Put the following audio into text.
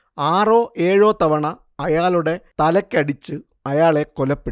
ആറോ ഏഴോ തവണ അയാളുടെ തലക്കടിച്ചു അയാളെ കൊലപ്പെടുത്തി